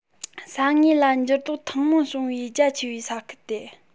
ས ངོས ལ འགྱུར ལྡོག ཐེངས མང བྱུང བའི རྒྱ ཆེ བའི ས ཁུལ དེ